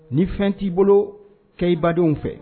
Ni fɛn t'i bolo kɛ i badenw fɛ